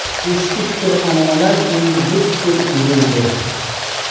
eski fikr an'analar endi butkul uzildi